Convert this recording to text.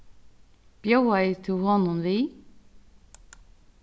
bjóðaði tú honum við